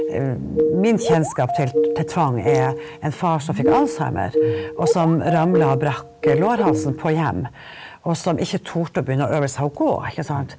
min kjennskap til til tvang er en far som fikk alzheimer og som ramla og brakk lårhalsen på hjem og som ikke turte å begynne å øve seg å gå, ikke sant.